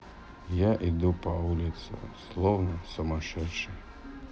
я иду по улице словно сумасшедший